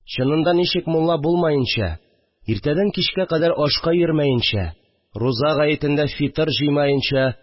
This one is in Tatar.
Чынында, ничек мулла булмаенча, иртәдән кичкә кадәр ашка йөрмәенчә, руза гаетендә фитыр җыймаенча